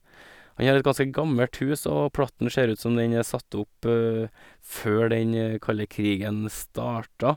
Han har et ganske gammelt hus og platten ser ut som den er satt opp før den kalde krigen starta.